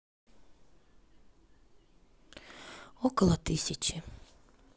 около тысячи